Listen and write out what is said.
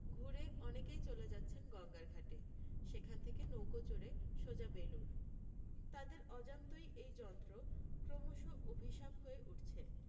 ঘুরে অনেকই চলে যাচ্ছেন গঙ্গার ঘাটে সেখান থেকে নৌকো চড়ে সোজা বেলুড় তাদের অজান্তই এই যন্ত্র ক্রমশ অভিশাপ হয়ে উঠছে